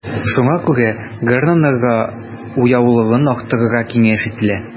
Шуңа күрә гражданнарга уяулыгын арттырыга киңәш ителә.